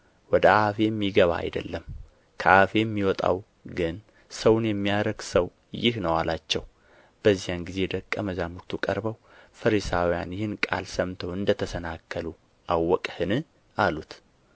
ወደ አፍ የሚገባ አይደለም ከአፍ የሚወጣው ግን ሰውን የሚያረክሰው ይህ ነው አላቸው በዚያን ጊዜ ደቀ መዛሙርቱ ቀርበው ፈሪሳውያን ይህን ቃል ሰምተው እንደ ተሰናከሉ አወቅህን አሉት